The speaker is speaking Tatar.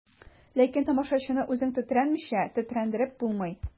Ләкин тамашачыны үзең тетрәнмичә тетрәндереп булмый.